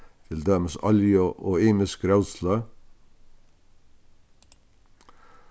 til dømis olju og ymisk grótsløg